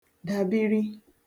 dàbiri